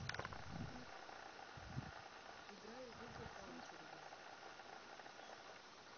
играю в игры по очереди